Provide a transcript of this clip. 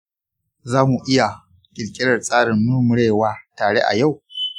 za mu iya ƙirƙirar tsarin murmurewa tare a yau.